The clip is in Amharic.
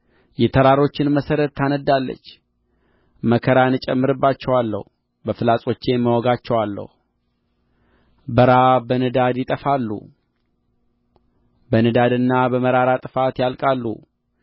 የተራሮችን መሠረት ታነድዳለች መከራን እጨምርባቸዋለሁ በፍላጾቼም እወጋቸዋለሁ በራብ በንዳድ ይጠፋሉ በንዳድና በመራራ ጥፋት ያልቃሉ